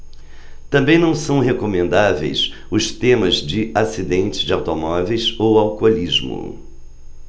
também não são recomendáveis os temas de acidentes de automóveis ou alcoolismo